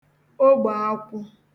ogbèakwụ̄